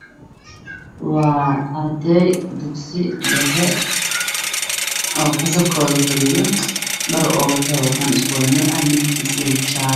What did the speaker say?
Waa arday dugsi dhexe oo fasalkoda fadhiya dhar isku nuc ah wana jale